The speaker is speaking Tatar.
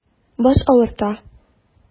Баш авырта.